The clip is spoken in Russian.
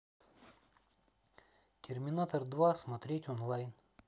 терминатор два смотреть онлайн